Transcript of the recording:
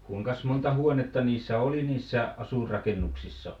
kuinkas monta huonetta niissä oli niissä asuinrakennuksissa